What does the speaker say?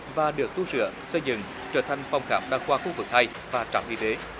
và được tu sửa xây dựng trở thành phòng khám đa khoa khu vực hai và trạm y tế